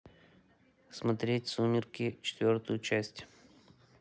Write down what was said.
смотреть сумерки четвертую часть